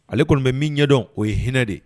Ale kɔni bɛ min ɲɛdɔn o ye h hinɛ de ye